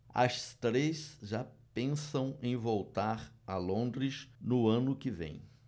as três já pensam em voltar a londres no ano que vem